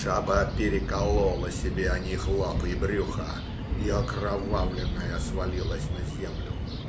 Жаба переколола себе о них лапы и брюхо и, окровавленная, свалилась на землю.